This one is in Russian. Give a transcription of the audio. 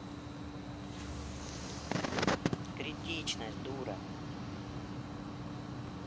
критичность дура